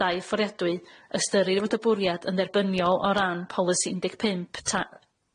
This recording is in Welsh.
o dair fforiadwy ystyrir fod y bwriad yn dderbyniol o ran polisi un deg pump ta-